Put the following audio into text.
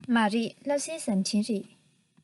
མ རེད ལྷ སའི ཟམ ཆེན རེད